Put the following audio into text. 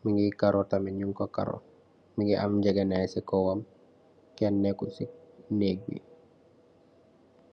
Munge karo tamit, nyung koh karo, munge am njegeh naii si kawam, ken nekhut si naeke bii.